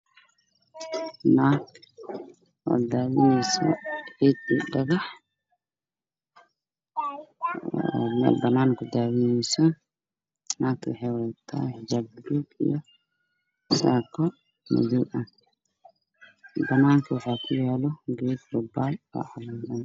Waa naag daadineyso ciid iyo dhagax oo meel banaan ah kudaadineyso, naagtu waxay wadataa xijaab buluug ah iyo saako madow ah, banaanka waxaa kuyaalo geed babaay ah.